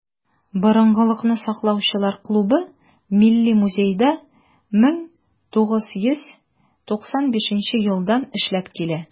"борынгылыкны саклаучылар" клубы милли музейда 1995 елдан эшләп килә.